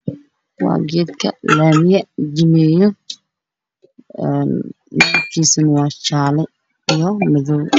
Waa gedka lamiga jumeyo midabkis waa jale io madow